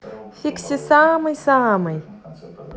фикси самый самый